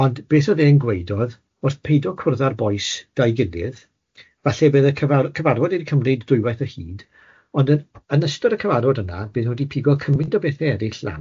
Ond beth o'dd e'n gweud o'dd, wrth peido cwrdd â'r bois da'u gilydd, falle bydd y cyfar- cyfarfod wedi cymryd dwywaith y hyd, ond yn yn ystod y cyfarfod yna bydd n'w wedi pigo cymaint o bethe erill lan,